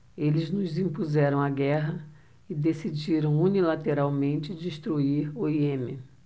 eles nos impuseram a guerra e decidiram unilateralmente destruir o iêmen